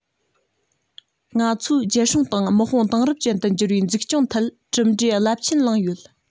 ང ཚོའི རྒྱལ སྲུང དང དམག དཔུང དེང རབས ཅན དུ འགྱུར བའི འཛུགས སྐྱོང ཐད གྲུབ འབྲས རླབས ཆེན བླངས ཡོད